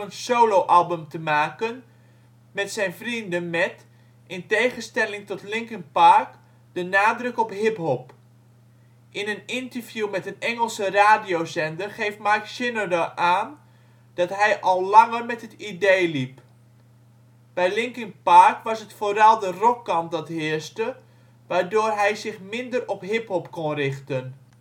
soloalbum te maken met zijn vrienden met, in tegenstelling tot Linkin Park, de nadruk op hiphop. In een interview met een Engelse radiozender geeft Mike Shinoda aan dat hij al langer met het idee liep. Bij Linkin Park was het vooral de rockkant dat heerste, waardoor hij zich minder op hiphop kon richten